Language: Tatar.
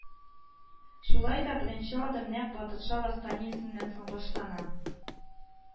Шулай да беренче адым нәкъ Батырша восстаниесеннән соң башлана